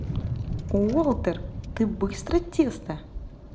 уолтер ты быстро тесто